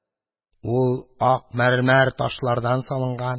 Ул ак мәрмәр ташлардан салынган,